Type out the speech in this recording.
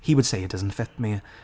He would say it doesn't fit me,